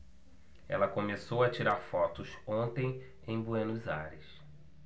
ela começou a tirar fotos ontem em buenos aires